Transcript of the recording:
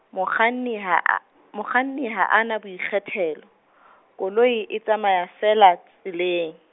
mokganni ha a, mokganni ha a na boikgethelo , koloi e tsamaya feela tseleng.